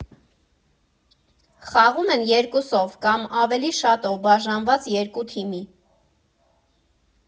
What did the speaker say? Խաղում են երկուսով կամ ավելի շատով՝ բաժանված երկու թիմի։